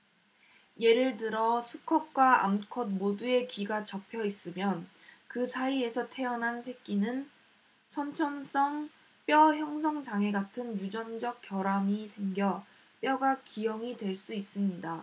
예를 들어 수컷과 암컷 모두의 귀가 접혀 있으면 그 사이에서 태어나는 새끼는 선천성 뼈 형성 장애 같은 유전적 결함이 생겨 뼈가 기형이 될 수 있습니다